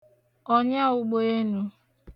ọ̀nyaụgbọenū